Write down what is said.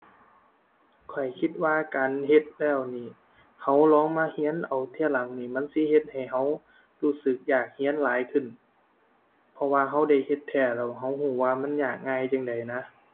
ข้อยคิดว่าการเฮ็ดแล้วนี่ เราลองมาเราเอาเที่ยหลังนี่ มันสิเฮ็ดให้เรารู้สึกอยากเราหลายขึ้น เพราะว่าเราได้เฮ็ดแท้แล้วเราเราว่ามันยากง่ายจั่งใดนะ